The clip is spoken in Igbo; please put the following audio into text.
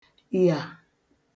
yà